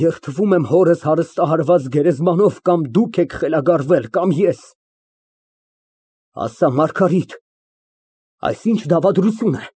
Երդվում եմ հորս հարստահարված գերեզմանով, կամ դուք եք խելագարվել, կամ ես։ (Մարգարիտին) Ասա, այդ ի՞նչ դավադրություն է։